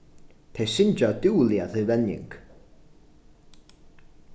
tey syngja dúgliga til venjing